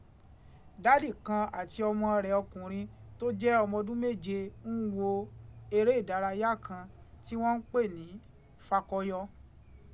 Dádì kan àti ọmọ rẹ̀ ọkùnrin tó jẹ́ ọmọ ọdún méje ń wo eré ìdárayá kan tí wọ́n ń pè ní Fakọyọ.